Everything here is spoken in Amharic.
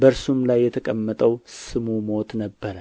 በእርሱም ላይ የተቀመጠው ስሙ ሞት ነበረ